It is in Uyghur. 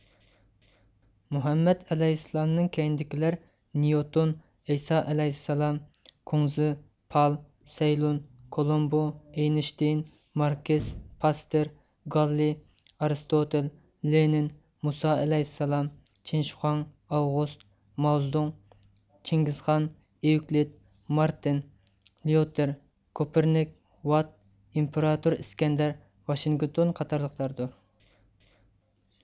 مۇھەممەد ئەلەيھىسسالامنىڭ كەينىدىكىلەر نيۇتون ئەيسائەلەيھىسسالام كۇڭزى پال سەيلۇن كولومبۇ ئېينىشتېين ماركىس پاستېر گاللىي ئارستوتىل لېنىن مۇسا ئەلەيھىسسالام چىن شىخۇاڭ ئاۋغۇست ماۋ زېدۇڭ چىڭگىزخان ئېۋكلىد مارتېن ليوتېر كوپېرنىك ۋات ئىمپېراتور ئىسكەندەر ۋاشىنگتون قاتارلىقلاردۇر